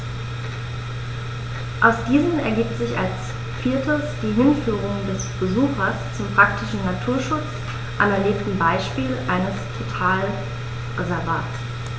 Aus diesen ergibt sich als viertes die Hinführung des Besuchers zum praktischen Naturschutz am erlebten Beispiel eines Totalreservats.